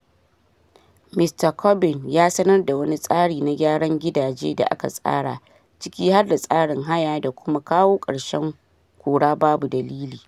Mista Corbyn ya sanar da wani tsari na gyaran gidaje da aka tsara, ciki har da tsarin haya da kuma kawo ƙarshen “kora babu dalili”